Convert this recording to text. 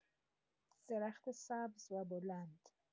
درخت سبز و بلند